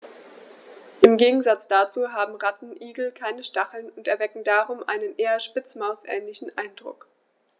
Im Gegensatz dazu haben Rattenigel keine Stacheln und erwecken darum einen eher Spitzmaus-ähnlichen Eindruck.